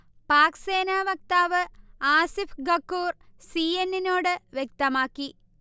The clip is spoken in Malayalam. പാക്ക് സേന വക്താവ് ആസിഫ് ഗഘൂർ സി. എൻ. എന്നിനോട് വ്യക്തമാക്കി